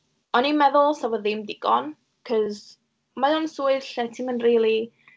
O'n i'n meddwl 'sa fo ddim digon, cause mae o'n swydd lle ti'm yn rili...